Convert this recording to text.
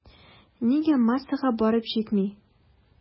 Нигә массага барып җитми?